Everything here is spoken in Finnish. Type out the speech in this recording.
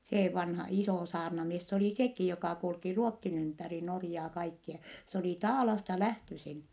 se vanha iso saarnamies se oli sekin joka kulki Ruotsin ympäri Norjaa kaikkia se oli Taalasta lähtöisin